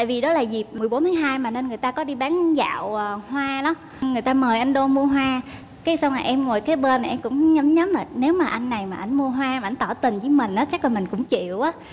tại vì đó là dịp mười bốn tháng hai mà nên người ta có đi bán dạo à hoa đó người ta mời anh đôn mua hoa cái xong em ngồi kế bên em cũng nhắm nhắm rồi nếu mà anh này mà ảnh mua hoa mà ảnh tỏ tình với mình á chắc là mình cũng chịu á